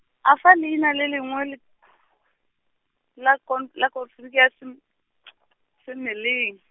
afa leina le lengwe le , la komp- la klorofile ya sem- , semeleng.